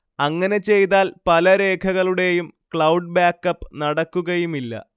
അങ്ങനെ ചെയ്താൽ പല രേഖകളുടെയും ക്ലൗഡ് ബാക്ക്അപ്പ് നടക്കുകയുമില്ല